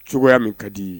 Cogoya min ka d di i ye